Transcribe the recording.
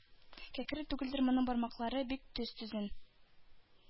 Кәкре түгелдер моның бармаклары — бик төз төзен,